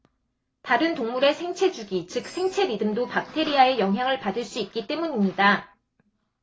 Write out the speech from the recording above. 다른 동물의 생체 주기 즉 생체 리듬도 박테리아의 영향을 받을 수 있기 때문입니다